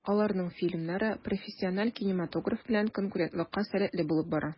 Аларның фильмнары профессиональ кинематограф белән конкурентлыкка сәләтле булып бара.